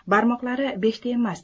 barmoqlari beshta emas